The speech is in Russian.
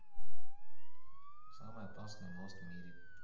самый опасный мост в мире